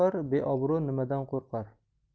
beobro' nimadan qo'rqar